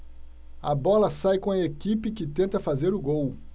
a bola sai com a equipe que tenta fazer o gol